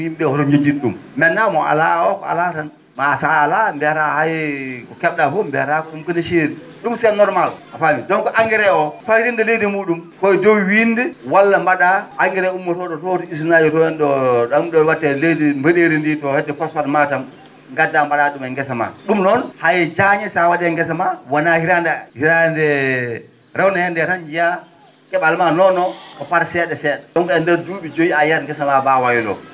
yim?e ?ee wata njejjide ?um maintenant mo alaa o ko alaa tan ma so a alaa mbiyataa kay ko ke??aa koo mbiyataa ko ?um ko no seeri ?um c' normal a faamii donc engrais o faytinde leydi mu?um koye dow wiinde walla mba?a engrais ummotoo?o to usine aji to ?o ?o am ?o watte leydi mbo?eeri ndi to hedde phosphade Matam ngaddaa mba?aa ?um e ngesa maa ?um noon hay jaañe so a wa?ii e ngesa maa wona hitande hitande rewde heen de tan njiyaa ke?al ma non non ko par see?a see?a ?um e ndeer duu?i joyi a yiyat gesa maa mbaa wayloo